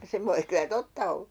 se voi kyllä totta olla